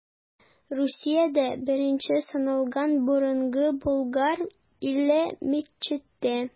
Русиядә беренче саналган Борынгы Болгар иле мәчете.